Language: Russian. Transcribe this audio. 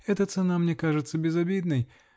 -- Эта цена мне кажется безобидной .